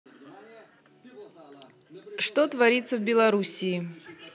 что творится в белоруссии